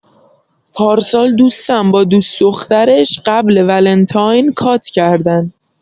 پارسال دوستم با دوس دخترش قبل ولنتاین کات کردن